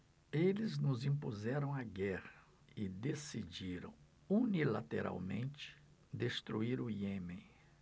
eles nos impuseram a guerra e decidiram unilateralmente destruir o iêmen